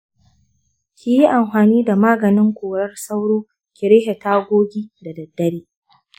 kiyi amfani da maganin korar sauro ki rufe tagogi da daddare.